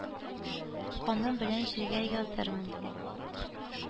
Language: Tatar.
Каным белән җиргә язармын».